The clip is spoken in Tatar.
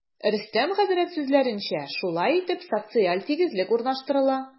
Рөстәм хәзрәт сүзләренчә, шулай итеп, социаль тигезлек урнаштырыла.